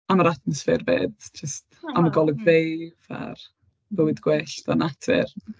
Am yr atmosffer, 'fyd. Jyst... o ia. ...Am y golygfeydd... mm. ...a'r bywyd gwyllt a'r natur.